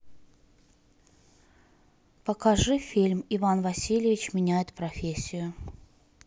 покажи фильм иван васильевич меняет профессию